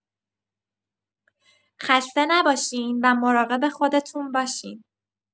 خسته نباشین و مراقب خودتون باشین.